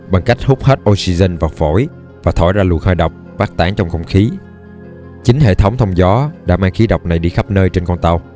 bằng cách hút hết oxygen vào phổi và thổi ra luồng hơi độc phát tán trong không khí chính hệ thống thông gió đã mang khí độc này đi khắp nơi trên con tàu